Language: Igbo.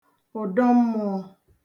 ụ̀dọ mmụ̄ọ